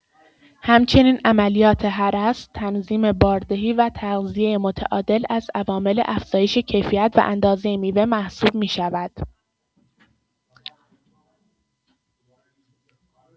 همچنین عملیات هرس، تنظیم باردهی و تغذیه متعادل از عوامل افزایش کیفیت و اندازه میوه محسوب می‌شود.